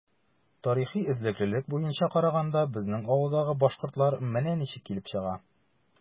Тарихи эзлеклелек буенча караганда, безнең авылдагы “башкортлар” менә ничек килеп чыга.